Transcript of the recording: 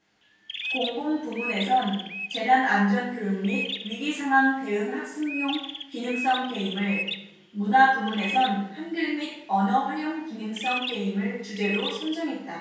공공 부문에선 재난안전교육 및 위기상황 대응 학습용 기능성 게임을 문화 부문에선 한글 및 언어활용 기능성 게임을 주제로 선정했다